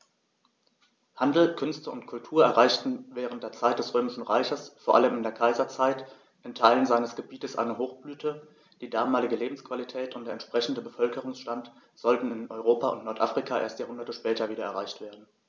Handel, Künste und Kultur erreichten während der Zeit des Römischen Reiches, vor allem in der Kaiserzeit, in Teilen seines Gebietes eine Hochblüte, die damalige Lebensqualität und der entsprechende Bevölkerungsstand sollten in Europa und Nordafrika erst Jahrhunderte später wieder erreicht werden.